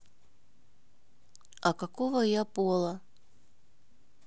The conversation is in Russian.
а какого я пола